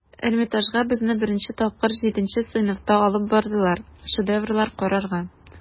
Эрмитажга безне беренче тапкыр җиденче сыйныфта алып бардылар, шедеврлар карарга.